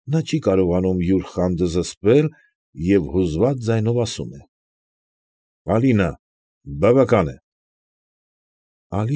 Նա չի կարողանում յուր խանդը զսպել և հուզված ձայնով ասում է. ֊ Ալինա, բավական է։